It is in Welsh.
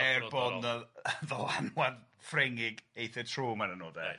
Er bod 'na ddylanwad Ffrengig eitha trwm arnyn n'w 'de... Reit...